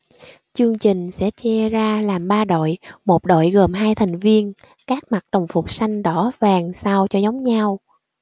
chương trình sẽ chia ra làm ba đội một đội gồm hai thành viên các mặc đồng phục xanh đỏ vàng sao cho giống nhau